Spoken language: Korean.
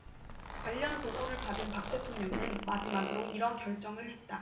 관련 보고를 받은 박 대통령은 마지막으로 이런 결정을 했다